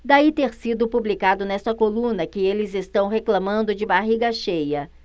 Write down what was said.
daí ter sido publicado nesta coluna que eles reclamando de barriga cheia